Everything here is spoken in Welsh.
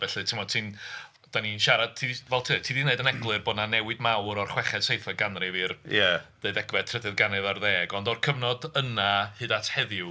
Felly timod ti'n ... dan ni'n siarad... ti 'di fel ti ti 'di wneud yn eglur bod 'na newid mawr o'r chweched, seithfed ganrif i'r... ia. ...ddeuddegfed, trydydd ganrif ar ddeg ond o'r cyfnod yna hyd at heddiw.